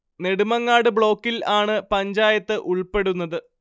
നെടുമങ്ങാട് ബ്ലോക്കിൽ ആണ് പഞ്ചായത്ത് ഉൾപ്പെടുന്നത്